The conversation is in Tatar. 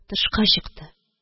Тышка чыкты